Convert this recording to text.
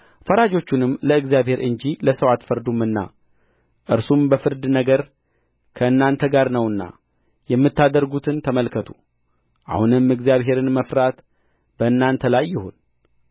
ፈራጆቹንም ለእግዚአብሔር እንጂ ለሰው አትፈርዱምና እርሱም በፍርድ ነገር ከእናንተ ጋር ነውና የምታደርጉትን ተመልከቱ አሁንም እግዚአብሔርን መፍራት በእናንተ ላይ ይሁን